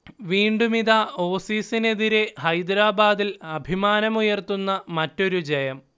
വീണ്ടുമിതാ, ഓസീസിനെതിരെ ഹൈദരാബാദിൽ അഭിമാനമുയർത്തുന്ന മറ്റൊരു ജയം